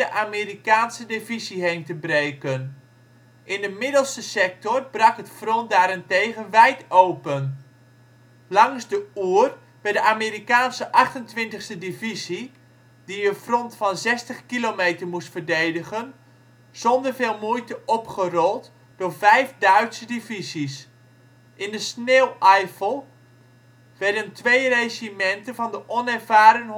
Amerikaanse divisie heen te breken. In de middelste sector brak het front daarentegen wijd open. Langs de Our werd de Amerikaanse 28e divisie, die een front van zestig kilometer moest verdedigen, zonder veel moeite opgerold door vijf Duitse divisies. In de Sneeuweifel werden twee regimenten van de onervaren